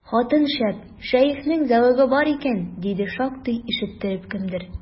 Хатын шәп, шәехнең зәвыгы бар икән, диде шактый ишеттереп кемдер.